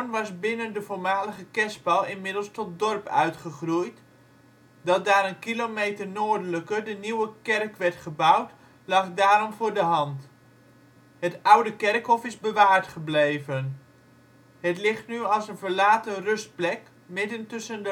was binnen de voormalige kerspel inmiddels tot dorp uitgegroeid, dat daar een kilometer noordelijker de nieuwe kerk werd gebouwd lag daarom voor de hand. Het oude kerkhof is bewaard gebleven. Het ligt nu als een verlaten rustplek, midden tussen